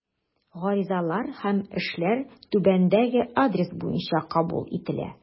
Гаризалар һәм эшләр түбәндәге адрес буенча кабул ителә.